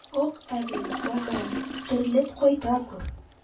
Акъәби, бәгырем, терелеп кайта күр!